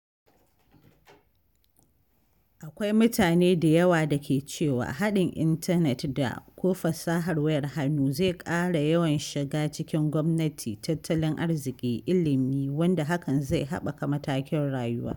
Akwai mutane da yawa da ke cewa haɗin Intanet da/ko fasahar wayar hannu zai ƙara yawan shiga cikin gwamnati, tattalin arziki, ilimi, wanda hakan zai haɓaka matakin rayuwa.